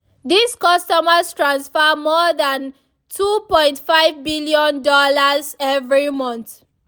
These customers transfer more than $2.5 million every month.